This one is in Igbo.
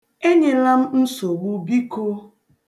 E nyela m nsogbu biko!